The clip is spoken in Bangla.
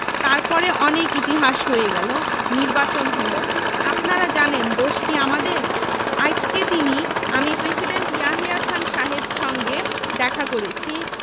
তারপরে অনেক ইতিহাস হয়ে গেলো নির্বাচন হলো আপনারা জানেন দোষ কি আমাদের আইজকে তিনি আমি প্রেসিডেন্ট ইয়াহিয়া খান সাহেব সংগে দেখা করেছি